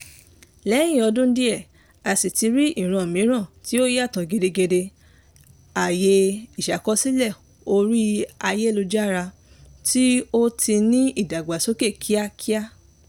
Lẹ́yìn ọdún díẹ̀, a sì ti ní ìran mìíràn tí ó yàtọ̀ gedegede – àyè ìṣàkọsílẹ̀ orí ayélujára tí ó ti ní ìdàgbàsókè kíákíá.